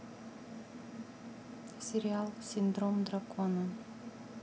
сериал синдром дракона